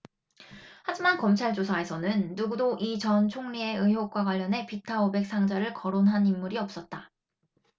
하지만 검찰 조사에서는 누구도 이 전 총리의 의혹과 관련해 비타 오백 상자를 거론한 인물이 없었다